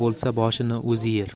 o'z boshini o'zi yer